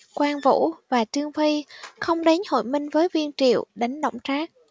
quan vũ và trương phi không đến hội minh với viên thiệu đánh đổng trác